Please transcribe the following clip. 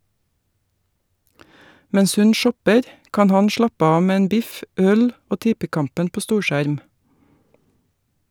Mens hun shopper , kan han slappe av med en biff , øl og tippekampen på storskjerm.